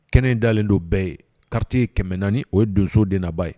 Kɛnɛ dalenlen don bɛɛ ye kariti ye kɛmɛ naaniani o ye donso deba ye